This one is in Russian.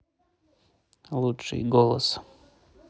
лучшее голос